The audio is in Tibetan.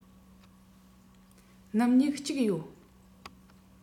སྣུམ སྨྱུག གཅིག ཡོད